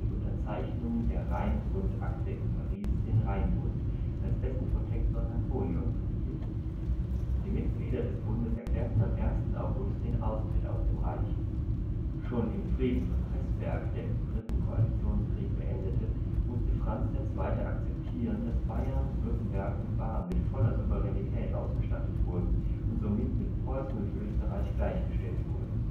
Unterzeichnung der Rheinbundakte in Paris den Rheinbund, als dessen Protektor Napoleon fungierte. Die Mitglieder des Bundes erklärten am 1. August den Austritt aus dem Reich. Schon im Frieden von Preßburg, der den Dritten Koalitionskrieg beendete, musste Franz II. akzeptieren, dass Bayern, Württemberg und Baden mit voller Souveränität ausgestattet wurden und somit mit Preußen und Österreich gleichgestellt wurden